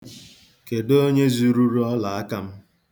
Kedụ onye zururu ọlaaka m.